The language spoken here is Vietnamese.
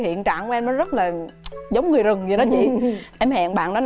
hiện trạng của em nó rất là giống người rừng dậy đó chị em hẹn bạn đó